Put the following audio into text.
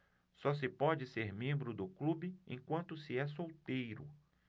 só se pode ser membro do clube enquanto se é solteiro